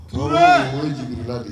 J